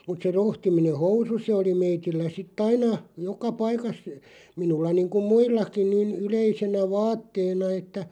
mutta se rohtiminen housu se oli meillä sitten aina joka paikassa minulla niin kuin muillakin niin yleisenä vaatteena että